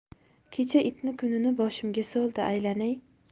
kecha itni kunini boshimga soldi aylanay